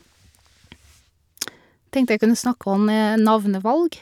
Tenkte jeg kunne snakke om navnevalg.